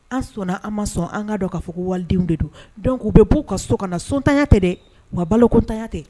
An' sɔnna an' ma sɔn an ŋa dɔn ka fɔ ko walidenw de don donc u bɛ b'u ka so kana so ntanya tɛ de wa baloko ntanya tɛ